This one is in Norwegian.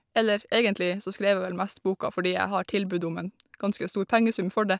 Eller, egentlig så skreiv jeg vel mest boka fordi jeg har tilbud om en ganske stor pengesum for det.